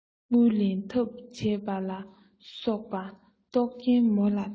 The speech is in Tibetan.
དངུལ ལེན ཐབས བྱས པ ལ སོགས པ རྟོག རྐྱེན མོ ལ དང